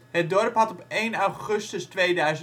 Het dorp had op 1 augustus 2004